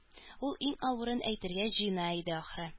Ул иң авырын әйтергә җыена иде, ахры